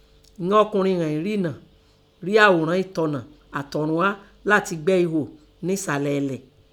Ìnan ọkùnrin hànín rínà rí àòrán ẹ̀tọ́nà’ àtọ̀run á látin gbẹ́ ihò nẹ́sàlẹ̀ elẹ̀